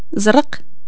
زرق